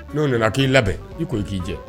No nana ki labɛn. I ko i ki jɛ